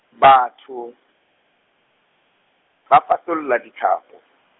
batho, ba fasolla dithapo.